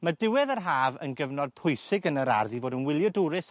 Ma' diwedd yr haf yn gyfnod pwysig yn yr ardd i fod yn wyliadwrus